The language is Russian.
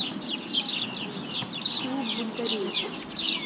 клуб бунтарей